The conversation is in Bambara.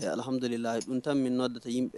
Alihamlila n tan min' data in